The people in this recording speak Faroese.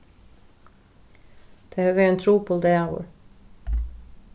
tað hevur verið ein trupul dagur